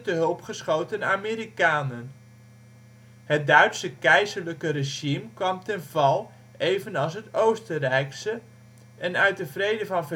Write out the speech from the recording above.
hulp geschoten Amerikanen. Het Duitse keizerlijke regime kwam ten val (evenals het Oostenrijkse) en uit de Vrede van